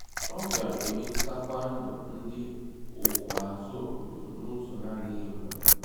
Ọ ga-emetụtakwa ndụ ndị ọkụazụ obodo n'ụzọ n'adịghị mma.